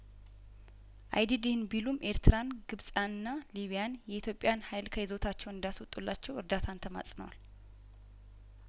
አይዲድ ይህን ቢሉም ኤርትራን ግብጻያንና ሊቢያን የኢትዮጵያን ሀይል ከይዞታቸው እንዳስወጡላቸው እርዳታቸውን ተማጽነዋል